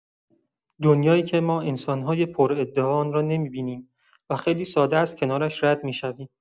دنیایی که ما انسان‌های پرادعا آن را نمی‌بینیم و خیلی ساده از کنارش رد می‌شویم.